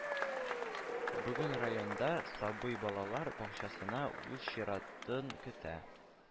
Бүген районда сабый балалар бакчасына үз чиратын көтә